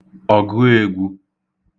ọ̀gụēgwū